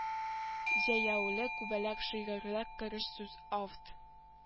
Зәяүле күбәләк шигырьләр кереш сүз авт